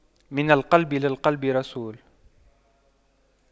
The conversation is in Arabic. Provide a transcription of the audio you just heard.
من القلب للقلب رسول